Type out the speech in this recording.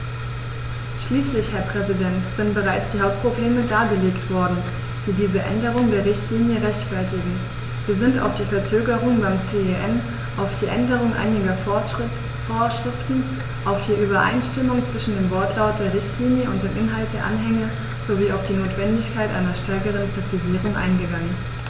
Schließlich, Herr Präsident, sind bereits die Hauptprobleme dargelegt worden, die diese Änderung der Richtlinie rechtfertigen, wir sind auf die Verzögerung beim CEN, auf die Änderung einiger Vorschriften, auf die Übereinstimmung zwischen dem Wortlaut der Richtlinie und dem Inhalt der Anhänge sowie auf die Notwendigkeit einer stärkeren Präzisierung eingegangen.